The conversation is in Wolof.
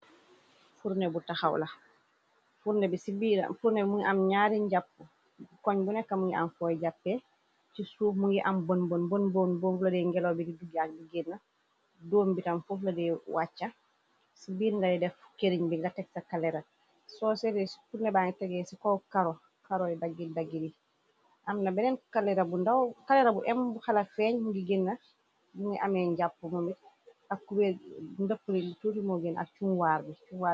Furne bu tahaw la furne bi mungi am ñaari njàpp koñ bu nekk mu ngi am fooy jàppe ci suuf mu ngi am bonbon bon boon boomvlode ngelow bi di dujjaak di génna doom bitam fofladi wàcca ci birnday def ukkeriñ bi nga tegsa kaleera soo sere ci purne baan tegee ci kow karoy daggir daggir yi amna benneen kalera bu em bu xala feeñ ngi gënna mu ngi amee njàpp memit ak kubeer ndëppri li tuuti mo gen ak chumwaar bi